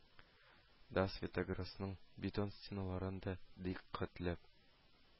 Да, «светогрэс»ның бетон стеналарын да дикъкатьләп